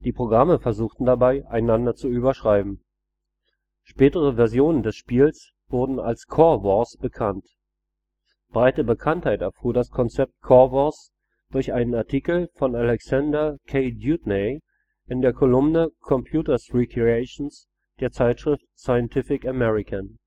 Programme versuchten dabei, einander zu überschreiben. Spätere Versionen des Spiels wurden als Core Wars bekannt. Breite Bekanntheit erfuhr das Konzept Core Wars durch einen Artikel von Alexander K. Dewdney in der Kolumne Computer Recreations der Zeitschrift Scientific American